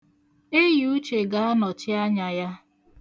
Eyiuche ga-anọchị anya ya.